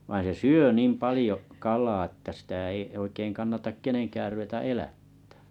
vaan se syö niin paljon kalaa että sitä ei oikein kannata kenenkään ruveta elättämään